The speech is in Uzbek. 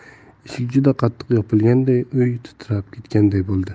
qattiq yopilganday uy titrab ketganday bo'ldi